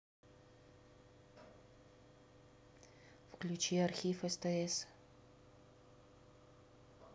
включи архив стс